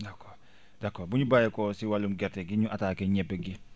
d' accord d' accord bu ñu bàyyeekoo ci wàllum gerte gi ñu attaquer ñebe gi